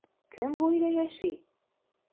Кем бу өйдә яши?